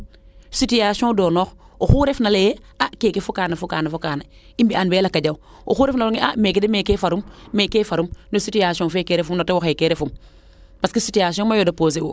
situation donoox oxu refna leye a keeke fo kaana fo kaana i mbiyan Mbelakadiaw oxu ref na ley nge a meeke de meeke farum meeke farum no situation feeke refum no tewo xeeke refum parce situation mayu reposer u